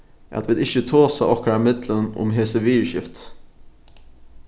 at vit ikki tosa okkara millum um hesi viðurskifti